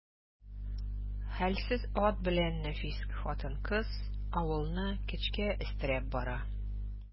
Хәлсез ат белән нәфис хатын-кыз авылны көчкә өстерәп бара.